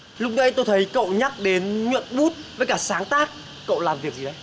lúc nẫy tôi thấy cậu nhắc đến nhuận bút với cả sáng tác cậu làm việc gì đấy